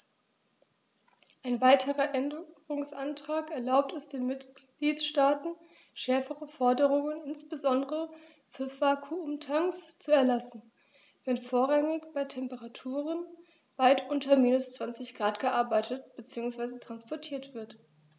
Ein weiterer Änderungsantrag erlaubt es den Mitgliedstaaten, schärfere Forderungen, insbesondere für Vakuumtanks, zu erlassen, wenn vorrangig bei Temperaturen weit unter minus 20º C gearbeitet bzw. transportiert wird.